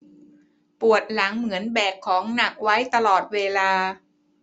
ปวดหลังเหมือนแบกหนักของไว้ตลอดเวลา